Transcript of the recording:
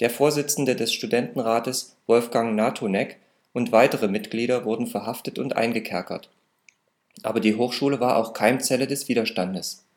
Vorsitzende des Studentenrates, Wolfgang Natonek, und weitere Mitglieder wurden verhaftet und eingekerkert. Aber die Hochschule war auch Keimzelle des Widerstandes